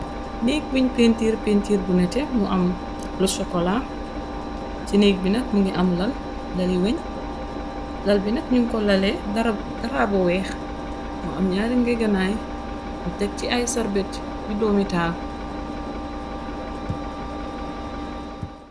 Negk buñ pentiir pentiir bu nete, mu am lu sokola. Ci négg bi nak, mu ngi am lal, lali weñ. Lal bi nak ñuñ ko lale daraabu weex, mu am ñaari ngeganaay, ñu teg ci ay sarbet yu doomitaal.